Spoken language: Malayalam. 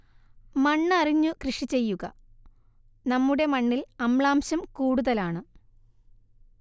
മണ്ണ് അറിഞ്ഞു കൃഷി ചെയ്യുക 'നമ്മുടെ മണ്ണിൽ അമ്ലാംശം കൂടുതലാണ്'